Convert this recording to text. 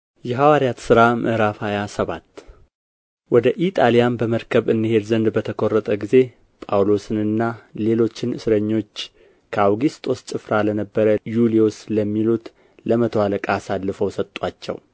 የሐዋርያት ሥራ ምዕራፍ ሃያ ሰባት ወደ ኢጣሊያም በመርከብ እንሄድ ዘንድ በተቈረጠ ጊዜ ጳውሎስንና ሌሎችን እስረኞች ከአውግስጦስ ጭፍራ ለነበረ ዩልዮስ ለሚሉት ለመቶ አለቃ አሳልፈው ሰጡአቸው